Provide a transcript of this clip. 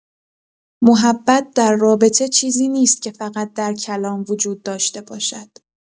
محبت در رابطه چیزی نیست که فقط در کلام وجود داشته باشد.